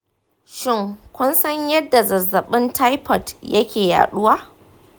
shin kun san yadda zazzabin taifot yake yaduwa?